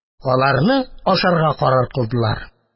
Аларны асарга карар кылдылар.